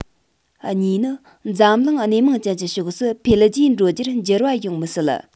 གཉིས ནི འཛམ གླིང སྣེ མང ཅན གྱི ཕྱོགས སུ འཕེལ རྒྱས འགྲོ རྒྱུར འགྱུར བ ཡོང མི སྲིད